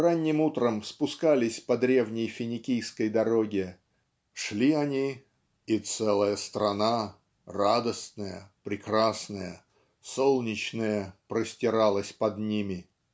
ранним утром спускались по древней финикийской дороге шли они "и целая страна радостная прекрасная солнечная простиралась под ними".